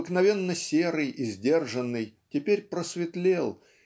обыкновенно серый и сдержанный теперь просветлел